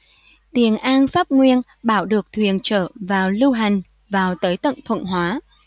tiền an pháp nguyên bảo được thuyền chở vào lưu hành vào tới tận thuận hóa